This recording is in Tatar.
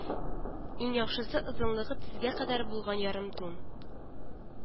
Иң яхшысы озынлыгы тезгә кадәр булган ярымтун